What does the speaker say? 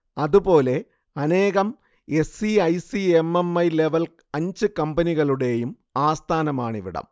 അതുപോലെ അനേകം S E I C M M I level അഞ്ച് കമ്പനികളുടെയും ആസ്ഥാനമാണിവിടം